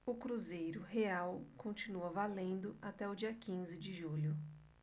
o cruzeiro real continua valendo até o dia quinze de julho